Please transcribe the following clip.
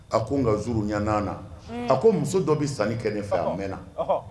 A ko n z ɲ na a ko muso dɔ bɛ san kɛ nin fa o mɛn na